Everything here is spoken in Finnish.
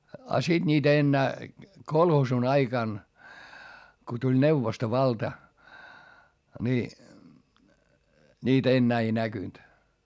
ja sitten niitä enää kolhoosin aikana kun tuli neuvostovalta niin niitä enää ei näkynyt